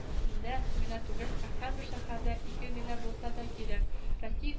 Сендә генә түгел, ә һәрбер шәһәрдә ике генә булса да кирәк, россия